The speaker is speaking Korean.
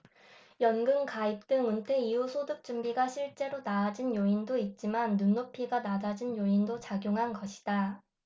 연금 가입 등 은퇴 이후 소득 준비가 실제로 나아진 요인도 있지만 눈높이가 낮아진 요인도 작용한 것이다